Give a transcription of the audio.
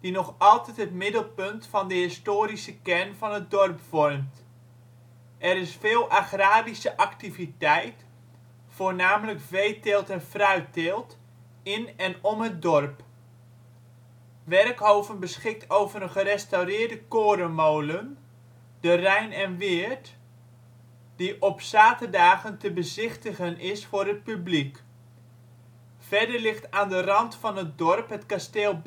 nog altijd het middelpunt van de historische kern van het dorp vormt. Er is veel agrarische activiteit (voornamelijk veeteelt en fruitteelt) in en om het dorp. Werkhoven beschikt over een gerestaureerde korenmolen, de Rijn en Weert, die op zaterdagen te bezichtigen is voor het publiek. Verder ligt aan de rand van het dorp het kasteel